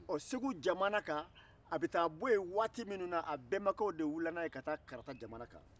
ɔ segu jama kan a bɛ taa bɔ yen waati minnu na a bɛnbakɛw de wulila n'a ye ka taa karata jamana kan